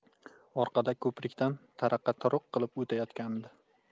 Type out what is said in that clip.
orqada ko'prikdan taraqa turuq qilib o'tayotgandi